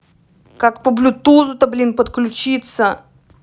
как по блютузу то блин подключиться